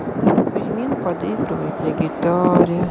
кузьмин подыгрывает на гитаре